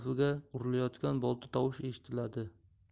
qulfiga urilayotgan bolta tovush eshitiladi